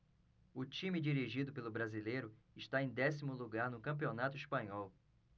o time dirigido pelo brasileiro está em décimo lugar no campeonato espanhol